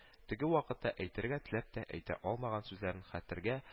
Теге вакытта әйтергә теләп тә әйтә алмаган сүзләрен хәтергә